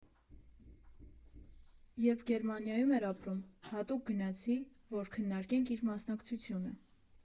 Երբ Գերմանիայում էր ապրում, հատուկ գնացի, որ քննարկենք իր մասնակցությունը։